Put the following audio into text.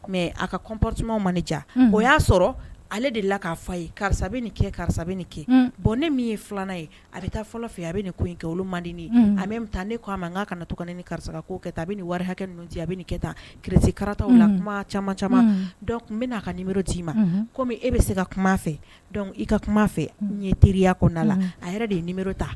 A ka o y'a sɔrɔ ale de k'a fa ye karisa bɛ nin kɛ karisa bɛ nin kɛ bɔn ne min ye filanan ye a bɛ taa fɔlɔ fɛ a bɛ nin kun kɛ olu man a taa ne'a ma n' ka na to ka ni karisa ka ko kɛta a bɛ nin wari hakɛ ninnu ci a bɛ nin kɛ kiresi karatataw la kuma caman caman bɛ'a ka d'i ma kɔmi e bɛ se ka kuma fɛ i ka kuma fɛ ɲɛ teriyada la a yɛrɛ de ye ta